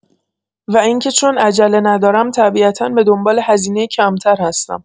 و اینکه چون عجله ندارم طبیعتا به دنبال هزینه کمتر هستم.